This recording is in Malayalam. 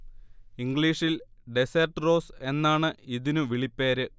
ഇംഗ്ലീഷിൽ 'ഡെസേർട്ട് റോസ്' എന്നാണ് ഇതിനു വിളിപ്പേര്